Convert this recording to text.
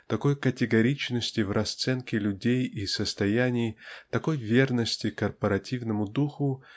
такой категоричности в расценке людей и состояний такой верности корпоративному духу